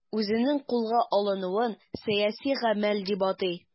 Үзенең кулга алынуын сәяси гамәл дип атый.